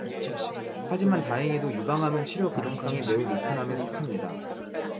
하지만 다행히도 유방암은 치료 가능성이 매우 높은 암에 속합니다